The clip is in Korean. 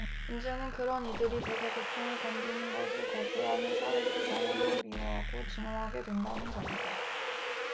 문제는 그런 이들이 대개 고통을 견디는 것을 거부하는 사회 구성원을 미워하고 증오하게 된다는 점이다